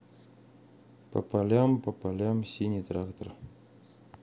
по полям по полям синий трактор